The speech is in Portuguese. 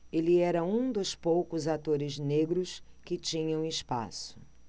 ele era um dos poucos atores negros que tinham espaço